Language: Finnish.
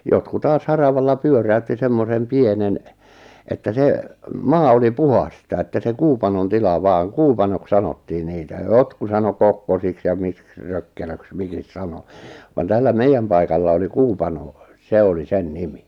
jotkut taas haravalla pyöräytti semmoisen pienen että se maa oli puhdasta että se kuupanon tila vaan kuupanoksi sanottiin niitä ja jotkut sanoi kokkosiksi ja miksi rökkelöksi miksi sanoi vaan tällä meidän paikalla oli kuupano se oli sen nimi